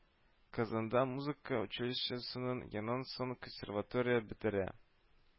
Казанда музыка училищесының, аннан соң консерватория бетерә